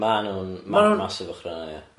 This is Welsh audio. Ma' nhw'n, ma' nhw'n massive ochra yna ia.